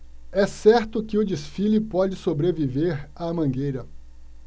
é certo que o desfile pode sobreviver à mangueira